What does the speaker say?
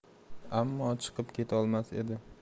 ammo chiqib ketolmas edi